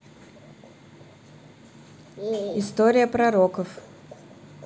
история пророков